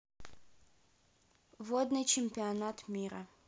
водный чемпионат мира